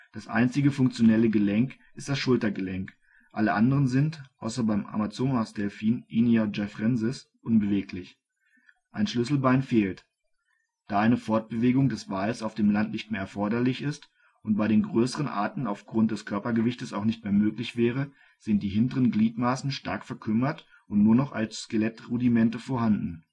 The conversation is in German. Das einzige funktionelle Gelenk ist das Schultergelenk, alle anderen sind (außer beim Amazonasdelfin (Inia geoffrensis)) unbeweglich. Ein Schlüsselbein fehlt. Da eine Fortbewegung des Wals auf dem Land nicht mehr erforderlich ist und bei den großen Arten aufgrund des Körpergewichtes auch nicht mehr möglich wäre, sind die hinteren Gliedmaßen stark verkümmert und nur noch als Skelettrudimente vorhanden